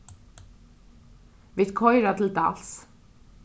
vit koyra til dals